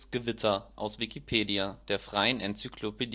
Gewitter, aus Wikipedia, der freien Enzyklopädie